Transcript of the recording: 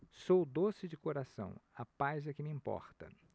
sou doce de coração a paz é que me importa